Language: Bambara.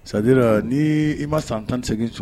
Sadira ni i ma san tan segin so